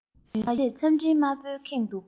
ནམ མཁའ ཡོད ཚད མཚམས སྤྲིན དམར པོའི ཁེངས འདུག